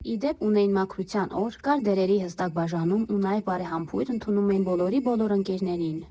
Ի դեպ, ունեին մաքրության օր, կար դերերի հստակ բաժանում, ու նաև բարեհամբույր ընդունում էին բոլորի բոլոր ընկերներին։